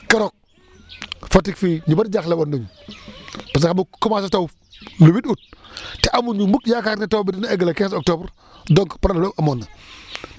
keroog Fatick fii ñu bëri jaaxle woon nañu parce que xam nga commencé taw le huit août te amuñu mukk yaakaar ne taw bi dina egg le quinze octobre donc problème amoon na